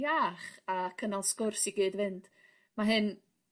iach a cynnal sgwrs i gyd-fynd. Ma' hyn